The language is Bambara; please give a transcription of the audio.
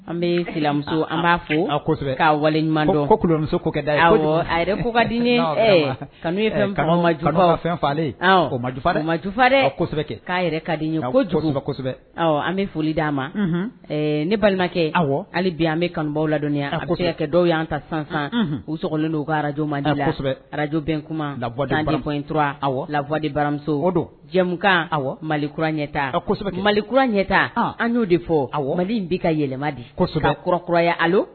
An bɛ silamɛmuso an b'a fɔ kosɛbɛ k' waleɲumandon komusodadifa ma jufasɛbɛ'a yɛrɛ ka di ye ko jo kosɛbɛ an bɛ foli d di'a ma ne balimakɛ aw hali bi an bɛ kanubaw ladɔnya a kosɛbɛkɛ dɔw y' an ta sansan u sogo don arajomadi kosɛbɛ arajo bɛ kuma la bɔdfɔ in aw lawadi baramuso don jɛmukan aw mali kura ɲɛta kosɛbɛ mali kurauran ɲɛta an y'o de fɔ a wali in bɛ ka yɛlɛma disɔ kɔrɔ kuraya